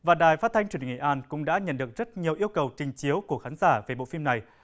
và đài phát thanh truyền hình nghệ an cũng đã nhận được rất nhiều yêu cầu trình chiếu của khán giả về bộ phim này